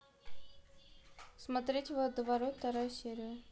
смотреть водоворот вторая серия